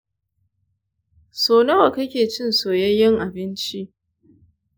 so nawa kake chin soyayyen abinci?